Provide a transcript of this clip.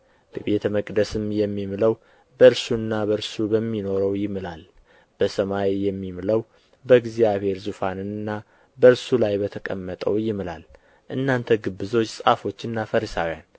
በቤተ መቅደስም የሚምለው በእርሱና በእርሱ በሚኖረው ይምላል በሰማይም የሚምለው በእግዚአብሔር ዙፋንና በእርሱ ላይ በተቀመጠው ይምላል እናንተ ግብዞች ጻፎችና ፈሪሳውያን